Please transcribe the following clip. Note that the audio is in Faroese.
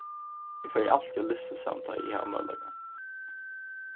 eg fari altíð á listasavn tá ið eg havi møguleikan